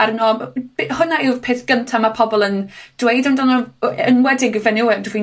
arno. Be- hwnna yw'r peth gynta ma' pobol yn dweud amdano yy enwedig y fenywe dwi'n